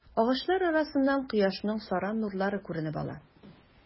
Агачлар арасыннан кояшның саран нурлары күренеп ала.